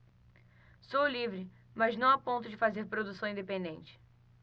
sou livre mas não a ponto de fazer produção independente